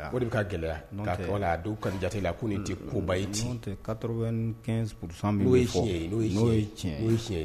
A Ko de bɛ ka gɛlɛya, a tɔra dɔw koni ka jate la nin tɛ ko ba ye ten, 95% min bɛfɔ n'o ye tiɲɛn ye.; n'o ye tiɲɛ ye ?